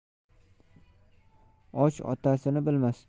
och otasini bilmas